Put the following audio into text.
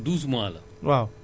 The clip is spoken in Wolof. dañuy fay assurance